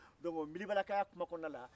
donc o n'bilibala ka ya kuma kɔnɔna la